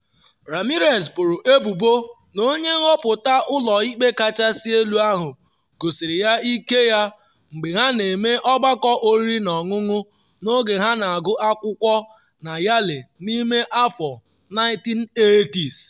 Ramirez boro ebubo n’onye nhọpụta Ụlọ Ikpe Kachasị Elu ahụ gosiri ya ike ya mgbe ha na-eme ọgbakọ oriri na ọṅụṅụ n’oge ha na-agụ akwụkwọ na Yale n’ime 1980s.